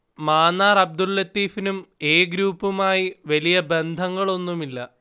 മാന്നാർ അബ്ദുൽ ലത്തീഫിനും എ ഗ്രൂപ്പുമായി വലിയ ബന്ധങ്ങളൊന്നുമില്ല